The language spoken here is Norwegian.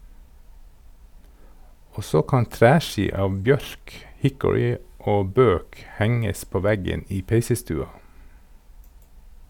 Og så kan treski av bjørk, hickory og bøk henges på veggen i peisestua.